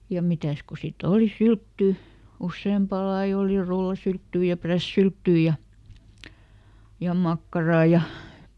ja mitäs kun sitten oli syltty useampaa lajia oli rullasylttyä ja prässisylttyä ja ja makkaraa ja